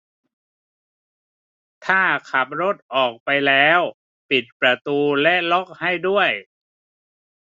ถ้าขับรถออกไปแล้วปิดประตูและล็อกให้ด้วย